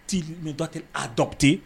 T'oba kɛra a dɔte